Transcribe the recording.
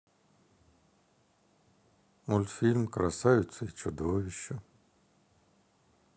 мультфильм красавица и чудовище